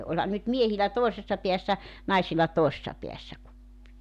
olihan nyt miehillä toisessa päässä naisilla toisessa päässä kuppi